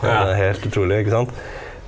og det er helt utrolig ikke sant.